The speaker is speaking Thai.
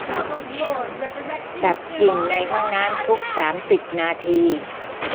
ดับกลิ่นในห้องน้ำทุกสามสิบนาที